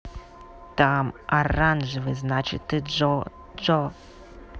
там оранжевый значит ты john john